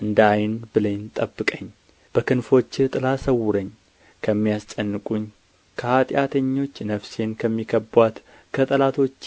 እንደ ዓይን ብሌን ጠብቀኝ በክንፎችህ ጥላ ሰውረኝ ከሚያስጨንቁኝ ከኃጢአተኞች ነፍሴንም ከሚከብቡአት ከጠላቶቼ